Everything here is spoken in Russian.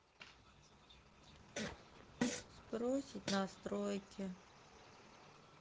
сбросить настройки